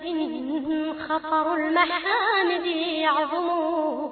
Miniyanlongɛningɛnin yo